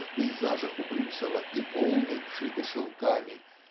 что в пейзажах у Брюсова и волны шиты шелками